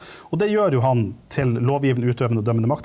og det gjør jo han til lovgivende, utøvende og dømmende makt.